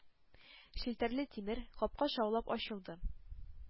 Челтәрле тимер капка шаулап ачылды.